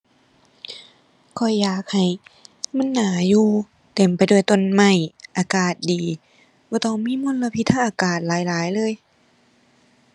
ก็อยากให้มันน่าอยู่ เต็มไปด้วยต้นไม้ อากาศดี บ่ต้องมีมลพิษทางอากาศหลายหลายเลย